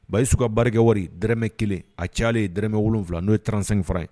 Bayisu ka baar kɛ wari dɔrɔmɛ kelen a cayalen dɔrɔmɛ wolonwula n'o ye 35f ye